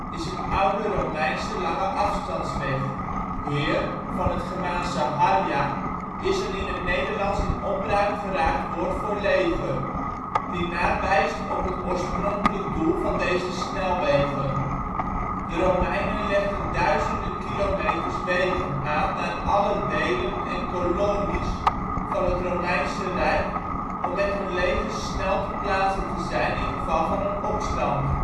is een oude Romeinse (lange-afstands) weg. Heer (van het Germaanse harja) is een in het Nederlands in onbruik geraakt woord voor leger. Die naam wijst op het oorspronkelijk doel van deze " snelwegen ". De Romeinen legden duizenden kilometers wegen aan naar alle delen en kolonies van het Romeinse Rijk om met hun legers snel ter plaatse te zijn in geval van een opstand